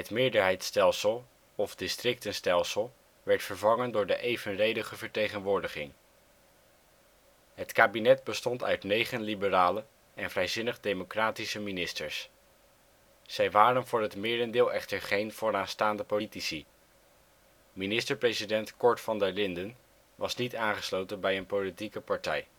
meerderheidsstelsel (districtenstelsel) werd vervangen door de evenredige vertegenwoordiging. Het kabinet bestond uit negen liberale en vrijzinnig-democratische ministers. Zij waren voor het merendeel echter geen vooraanstaande politici. Minister-president Cort van der Linden was niet aangesloten bij een politieke partij